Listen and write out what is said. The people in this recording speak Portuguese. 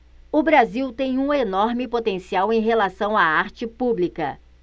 o brasil tem um enorme potencial em relação à arte pública